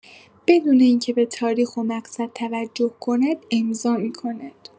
بدون اینکه به‌تاریخ و مقصد توجه کند امضا می‌کند.